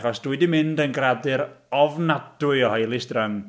Achos dwi di mynd yn gradur ofnadwy o highly-strung.